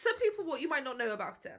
Some people what you might not know about him.